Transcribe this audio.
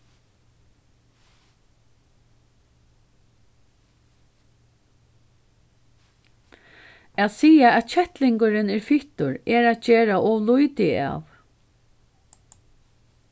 at siga at kettlingurin er fittur er at gera ov lítið av